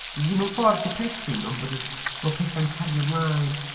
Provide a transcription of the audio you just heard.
Ddim mewn ffordd depressing ond bod jyst bod pethau'n cario ymlaen.